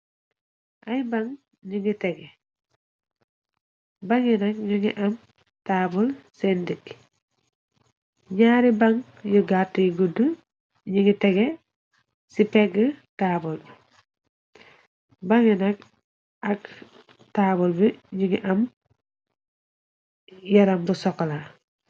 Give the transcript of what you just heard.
Ay bag u ege. Bangi nak ñu ngi am taabal seen ndikg ñaari bang yu gàttuy gudd ñu ngi tege ci pegg taabal bi bangi nak ak taabal bi ñu gi am yaram bu sokla.